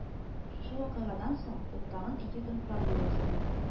Шушы вакыйгадан соң ул тагын ике көн прогул ясады